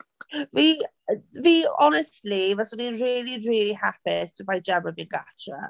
Fi fi honestly fyswn i'n rili, rili hapus pe bai Gemma'n mynd gatre.